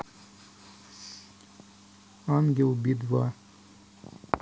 ангел би два